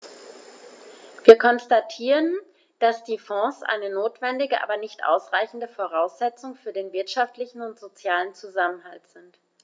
Wir konstatieren, dass die Fonds eine notwendige, aber nicht ausreichende Voraussetzung für den wirtschaftlichen und sozialen Zusammenhalt sind.